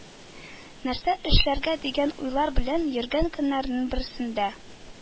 Нәрсә эшләргә дигән уйлар белән йөргән көннәрнең берсендә,